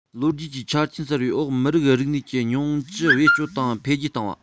ལོ རྒྱུས ཀྱི ཆ རྐྱེན གསར པའི འོག མི རིགས རིག གནས ཀྱི ཉིང བཅུད བེད སྤྱོད དང འཕེལ རྒྱས བཏང བ